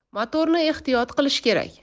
motorni ehtiyot qilish kerak